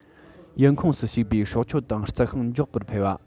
ཡུལ ཁོངས སུ ཞུགས པའི སྲོག ཆགས དང རྩི ཤིང མགྱོགས པོར འཕེལ བ